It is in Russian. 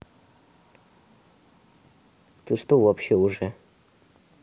ты что вообще уже